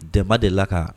Dɛnba de la ka